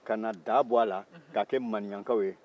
kana da bɔ a la k'a kɛ maniyankaw ye